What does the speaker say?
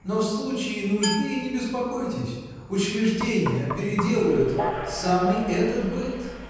но, в случае нужды, не беспокойтесь: учреждения переделают самый этот быт".